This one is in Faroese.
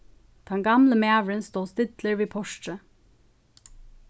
tann gamli maðurin stóð stillur við portrið